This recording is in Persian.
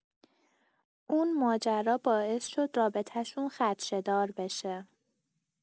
اون ماجرا باعث شد رابطه‌شون خدشه‌دار بشه.